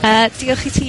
Yy, diolch i ti...